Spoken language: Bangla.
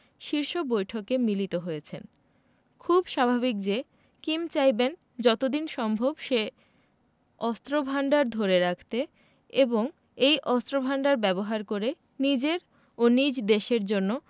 শীর্ষ বৈঠকে মিলিত হয়েছেন খুবই স্বাভাবিক যে কিম চাইবেন যত দিন সম্ভব সে অস্ত্রভান্ডার ধরে রাখতে এবং এই অস্ত্রভান্ডার ব্যবহার করে নিজের ও নিজ দেশের জন্য